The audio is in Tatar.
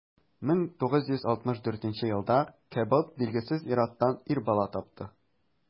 1964 елда кэбот билгесез ир-аттан ир бала тапты.